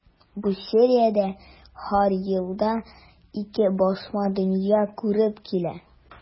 Бу сериядә һәр елда ике басма дөнья күреп килә.